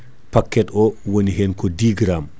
paquet o woni hen ko 10G